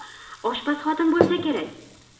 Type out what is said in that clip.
oshpaz xotin bo'lsa kerak